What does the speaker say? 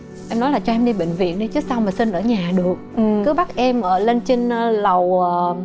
em nói là cho em đi bệnh viện đi chứ sao mà sinh ở nhà được cứ bắt em ở lên trên a lầu à